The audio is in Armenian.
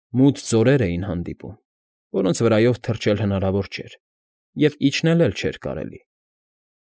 Մութ ձորեր էին հանդիպում, որոնց վրայով թռչել հնարավոր չէր և իջնել էլ չէր կարելի։